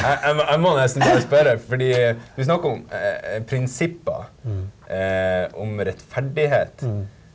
jeg jeg må jeg må nesten både spørre fordi vi snakker om prinsipper om rettferdighet.